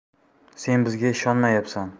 sen bizga ishonmayapsan